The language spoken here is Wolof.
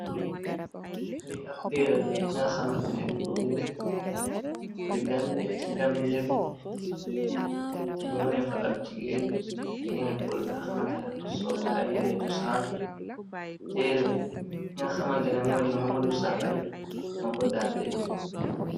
lii ab teera la bi nga xamantane dañ ko bind todi gambi ci gambia bi te ñu wone fa ab jigeenu pol bi nga xamantene dafa sol ayere co saam teer bi inga xamantane moodi momodu saabali moo ko daal te bind